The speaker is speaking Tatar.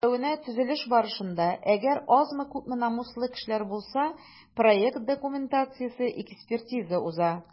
Өстәвенә, төзелеш барышында - әгәр азмы-күпме намуслы кешеләр булса - проект документациясе экспертиза уза.